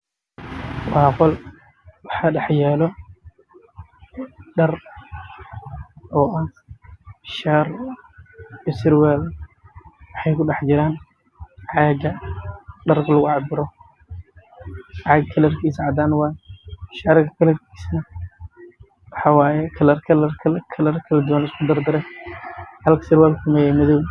Waa qol waxaa dhex yaalo dhar shaar iyo surwaal